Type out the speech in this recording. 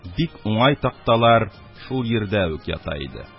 Бик уңгай такталар шул йирдә үк ята иде.